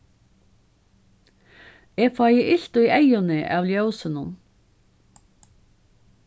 eg fái ilt í eyguni av ljósinum